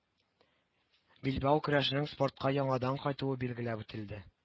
Билбау көрәшенең спортка яңадан кайтуы билгеләп үтелде